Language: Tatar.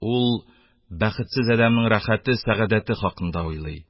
Ул бәхетсез адәмнең рәхәте, сәгадәте хакында уйлый...